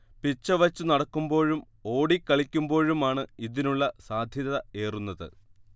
പിച്ചവച്ചു നടക്കുമ്പോഴും ഓടിക്കളിക്കുമ്പോഴും ആണ് ഇതിനുള്ള സാധ്യത ഏറുന്നത്